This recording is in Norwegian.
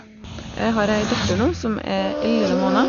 Jeg har ei datter nå som er elleve måneder.